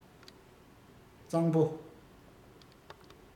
གཙང པོ